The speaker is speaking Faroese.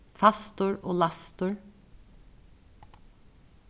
fastur og læstur